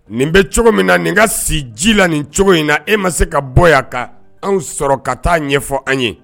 Nin bɛ cogo min na nin ka si ji la nin cogo in na e ma se ka bɔ yan ka anw sɔrɔ ka ta'a ɲɛfɔ an ye